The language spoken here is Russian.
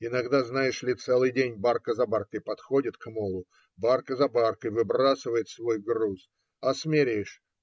Иногда, знаешь ли, целый день барка за баркой подходит к молу, барка за баркой выбрасывает свой груз, а смеряешь